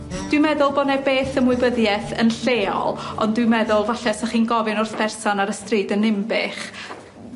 Dwi'n meddwl bo' 'ne beth ymwybyddieth yn lleol ond dwi'n meddwl falle os o'ch chi'n gofyn wrth berson ar y stryd yn Ninbych